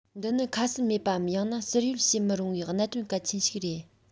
འདི ནི ཁ གསལ མེད པའམ ཡང ན ཟུར གཡོལ བྱེད མི རུང བའི གནད དོན གལ ཆེན ཞིག རེད